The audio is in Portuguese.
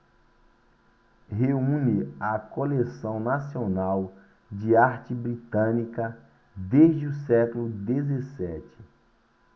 reúne a coleção nacional de arte britânica desde o século dezessete